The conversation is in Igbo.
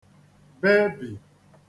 -bebì